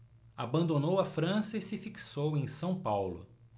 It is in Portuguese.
abandonou a frança e se fixou em são paulo